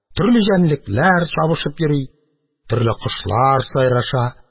Төрле җәнлекләр чабышып йөри, төрле кошлар сайраша.